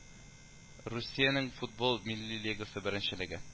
Русиянең Футбол милли лигасы беренчелеге